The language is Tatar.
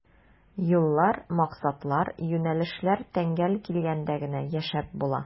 Юллар, максатлар, юнәлешләр тәңгәл килгәндә генә яшәп була.